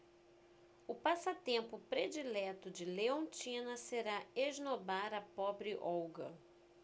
o passatempo predileto de leontina será esnobar a pobre olga